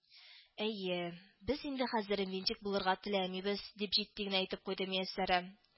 —әйе, без инде хәзер винтик булырга теләмибез,—дип җитди генә әйтеп куйды мияссәрә